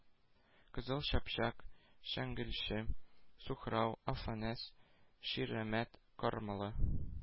Кызыл Чапчак, Шәңгәлче, Сухрау, Афанас, Ширәмәт, Кармалы